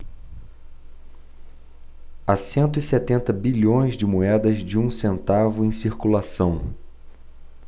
há cento e setenta bilhões de moedas de um centavo em circulação